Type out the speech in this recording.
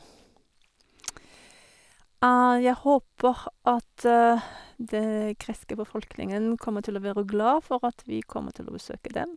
Jeg håper at det greske befolkningen kommer til å være glad for at vi kommer til å besøke dem.